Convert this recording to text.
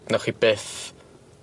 Newch chi byth